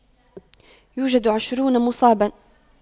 يوجد عشرون مصابا